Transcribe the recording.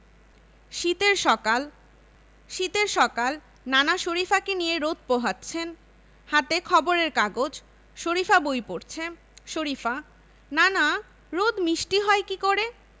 শীতের সকাল শীতের সকাল নানা শরিফাকে নিয়ে রোদ পোহাচ্ছেন হাতে খবরের কাগজ শরিফা বই পড়ছে শরিফা নানা রোদ মিষ্টি হয় কী করে